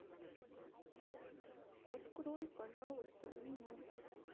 открой пожалуйста меню